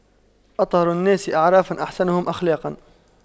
أطهر الناس أعراقاً أحسنهم أخلاقاً